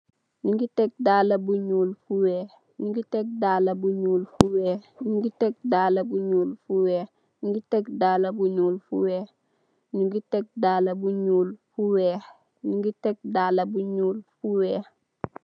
Ñugi tek dalla bu ñuul fu wèèx.